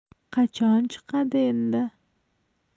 qachon chiqadi endi